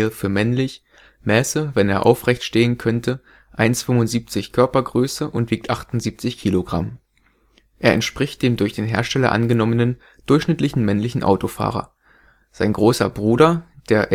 für männlich) mäße, wenn er aufrecht stehen könnte, 175 cm Körpergröße und wiegt 78 kg. Er entspricht dem durch den Hersteller angenommenen durchschnittlichen männlichen Autofahrer. Sein „ großer Bruder “, der